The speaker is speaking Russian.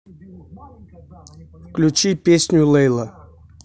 включи песню лейла